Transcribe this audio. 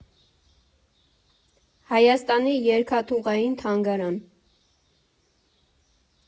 Հայաստանի երկաթուղային թանգարան։